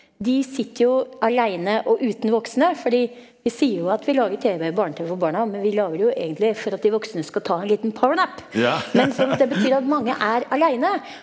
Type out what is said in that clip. de sitter jo aleine og uten voksne fordi vi sier jo at vi lager tv barne-tv for barna, men vi lager det jo egentlig for at de voksne skal ta en liten powernap, men sånn at det betyr at mange er aleine.